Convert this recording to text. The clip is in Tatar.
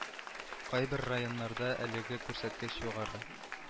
Кайбер районнарда әлеге күрсәткеч югары